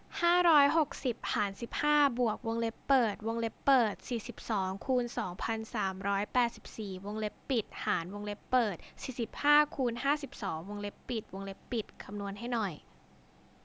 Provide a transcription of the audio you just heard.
ห้าร้อยหกสิบหารสิบห้าบวกวงเล็บเปิดวงเล็บเปิดสี่สิบสองคูณสองพันสามร้อยแปดสิบสี่วงเล็บปิดหารวงเล็บเปิดสี่สิบห้าคูณห้าสิบสองวงเล็บปิดวงเล็บปิดคำนวณให้หน่อย